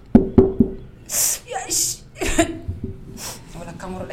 Kama